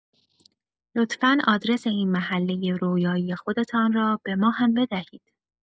لطفا آدرس این محله رویایی خودتان را به ما هم بدهید.